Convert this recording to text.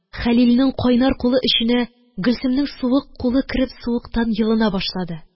Хәлилнең кайнар кулы эченә Гөлсемнең суык кулы кереп суыктан йылына башлады.